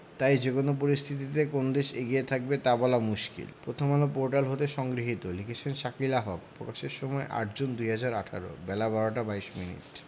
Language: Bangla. তাই যেকোনো পরিস্থিতিতে কোন দেশ এগিয়ে থাকবে তা বলা মুশকিল প্রথমআলো পোর্টাল হতে সংগৃহীত লিখেছেন শাকিলা হক প্রকাশের সময় ৮জুন ২০১৮ বেলা ১২টা ২২মিনিট